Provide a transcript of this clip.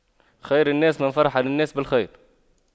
خير الناس من فرح للناس بالخير